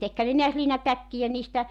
tekihän ne näet liinatäkkejä niistä